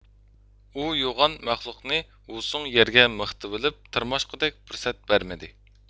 ئۇ يوغان مەخلۇقنى ۋۇ سوڭ يەرگە مىقتىۋېلىپ تىرماشقۇدەك پۇرسەت بەرمىدى